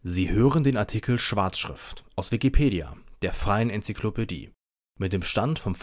Sie hören den Artikel Schwarzschrift, aus Wikipedia, der freien Enzyklopädie. Mit dem Stand vom